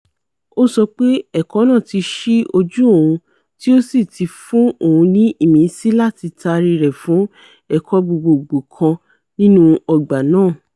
Ó sọ pé ẹ̀kọ́ náà ti sí ojú òun tí ó sì ti fún òun ní ìmísí láti taari rẹ̀ fún ẹ̀kọ́ gbogbòò kan nínú ọgbà náà.